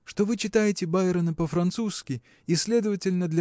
– что вы читаете Байрона по-французски и следовательно